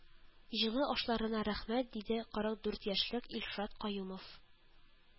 Җылы ашларына рәхмәт, диде кырык дүрт яшьлек илшат каюмов